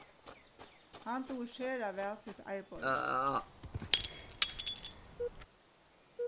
hann dugir sera væl sítt arbeiði